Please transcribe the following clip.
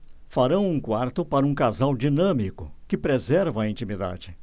farão um quarto para um casal dinâmico que preserva a intimidade